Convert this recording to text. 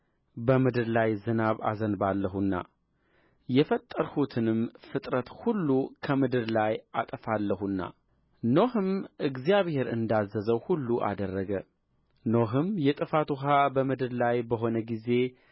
በምድር ላይ ዝናብ አዘንባለሁና የፈጠርሁትንም ፍጥረት ሁሉ ከምድር ላይ አጠፉለሁና ኖኅም እግዚአብሔር እንዳዘዘው ሁሉ አደረገ ኖኅም የጥፋት ውኃ በምድር ላይ በሆነ ጊዜ